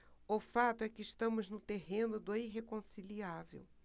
o fato é que estamos no terreno do irreconciliável